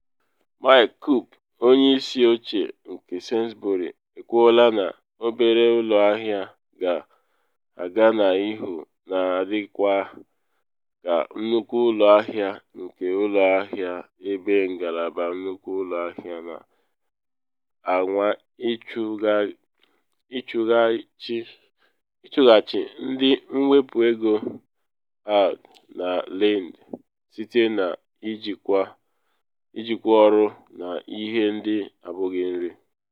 Mike Coupe, onye isi oche nke Sainsbury, ekwuola na obere ụlọ ahịa ga-aga n’ihu n adịkwa ka nnukwu ụlọ ahịa nke ụlọ ahịa ebe ngalaba nnukwu ụlọ ahịa na anwa ịchụghachi ndị mwepu ego Aldi na Lidl site na ijikwu ọrụ na ihe ndị abụghị nri.